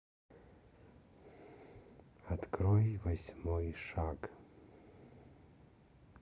открой восьмой шаг